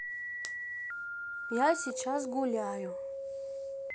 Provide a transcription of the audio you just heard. я сейчас гуляю